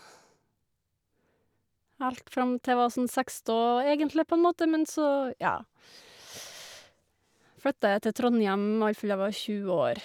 Helt fram til jeg var sånn seksten, egentlig på en måte, men så, ja flytta jeg til Trondhjem i alle fall, jeg var tjue år.